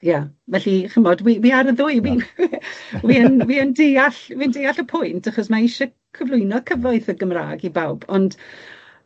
Ia felly chimod wi wi ar y ddwy wi wi wi yn wi yn wi'n deall wi'n deall y pwynt achos mae isie cyflwyno cyfoeth y Gymra'g i bawb ond